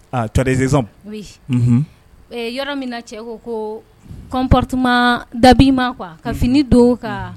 Tarrezson yɔrɔ min na cɛ ko ko kɔnptuma dabi ma kuwa kaf don ka